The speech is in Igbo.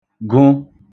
gụ